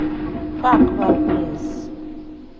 fuck tha police